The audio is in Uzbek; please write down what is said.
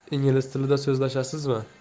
ingliz tilida so'zlashasizmi